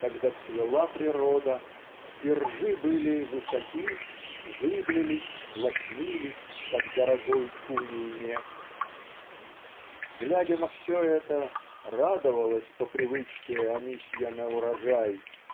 когда цвела природа и "ржи были высоки зыблились лоснились как дорогой куний мех" глядя на все это "радовалась по привычке Анисья на урожай